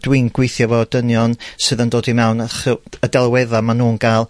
dwi'n gwithio 'fo dynion, sydd yn dod i mewn, a chy- y delwedda' ma' nw'n ga'l.